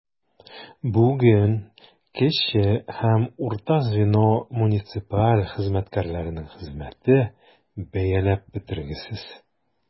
Бүгенге көндә кече һәм урта звено муниципаль хезмәткәрләренең хезмәте бәяләп бетергесез.